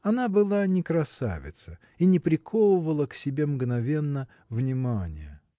Она была не красавица и не приковывала к себе мгновенно внимания.